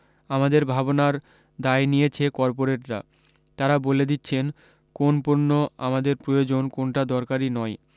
আমাদের ভাবনার দায় নিয়েছে কর্পোরেটরা তারা বলে দিচ্ছেন কোন পণ্য আমাদের প্রয়োজন কোনটা দরকারি নয়